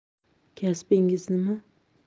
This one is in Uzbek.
kasbingiz nima